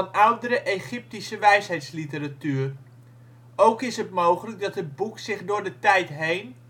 oudere Egyptische wijsheidsliteratuur. Ook is het mogelijk dat het boek zich door de tijd heen